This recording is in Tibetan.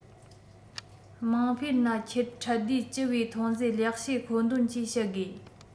དམངས དཔེར ན ཁྱེར ཁྲལ བསྡུའི སྤྱི པའི ཐོན རྫས ལེགས ཤོས མཁོ འདོན ཅེས བཤད དགོས